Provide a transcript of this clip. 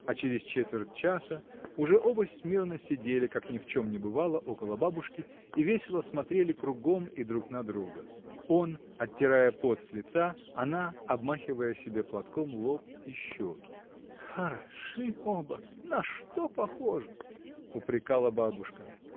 А через четверть часа уже оба смирно сидели, как ни в чем не бывало, около бабушки и весело смотрели кругом и друг на друга: он, отирая пот с лица, она, обмахивая себе платком лоб и щеки. — Хороши оба: на что похожи! — упрекала бабушка.